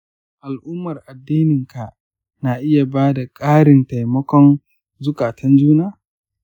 al’ummar addininka na iya ba da ƙarin taimakon zukatan juna.